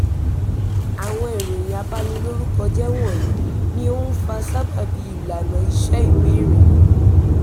Àwọn ìròyìn abanilórúkọjẹ́ wọ̀nyí, ni ó ń fa sábàbí ìlànà-iṣẹ́ ìwé ìrìnnà: